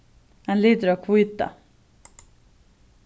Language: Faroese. ein litur av hvíta